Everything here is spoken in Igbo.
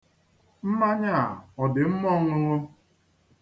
Mmanya a, ọ dị mma ọṅụṅụ?